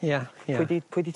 Ia ia. Pwy 'di pwy 'di...